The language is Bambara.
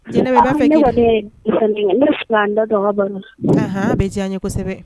Jɛnɛba i b'a fɛ k'i da ne kɔni ye ne be fɛ k'an da don a' ka baro la anhan o be diy'an ye kosɛbɛ